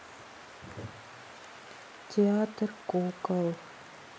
театр кукол